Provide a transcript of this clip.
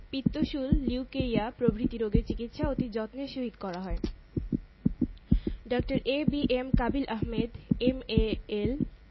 সর্ব প্রকার দুর্বলতা দূরীকরণের জন্য আল্ ফা গোল্ড টনিক বল ও বীর্য ও শক্তির জন্য হোমিও ভিটামিন এখানে মানসিক রোগ এ্যজমা ক্যান্সার গ্যাস্ট্রিক মুত্রপাথড়ী পিত্তপাথড়ী অম্লশূল